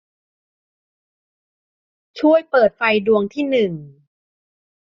ช่วยเปิดไฟดวงที่หนึ่ง